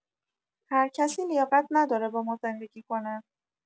هرکسی لیاقت نداره با ما زندگی کنه